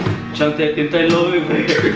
chẳng thể tìm thấy lối về eh